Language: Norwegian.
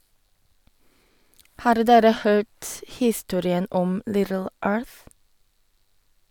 - Har dere hørt historien om Little Earth?